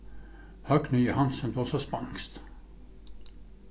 høgni johansen tosar spanskt